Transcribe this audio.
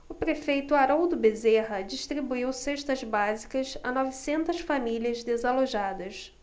o prefeito haroldo bezerra distribuiu cestas básicas a novecentas famílias desalojadas